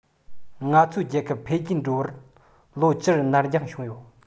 ང ཚོའི རྒྱལ ཁབ འཕེལ རྒྱས འགྲོ བར ལོ བཅུ ནར འགྱངས བྱུང ཡོད